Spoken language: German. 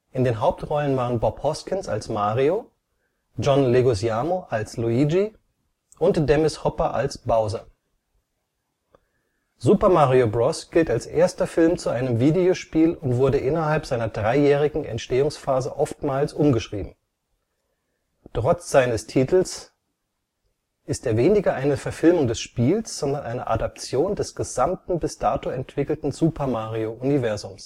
in den Hauptrollen waren Bob Hoskins (Mario), John Leguizamo (Luigi) und Dennis Hopper (Bowser). Super Mario Bros. gilt als erster Film zu einem Videospiel und wurde innerhalb seiner dreijährigen Entstehungsphase oftmals umgeschrieben. Trotz seines Titels handelt ist er weniger eine Verfilmung des Spiels, sondern eine Adaption des gesamten bis dato entwickelten Super-Mario-Universums